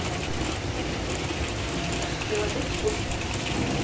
приложить пульт